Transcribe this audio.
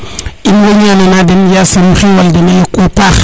in way niana den yasm xewël dena yoku a paax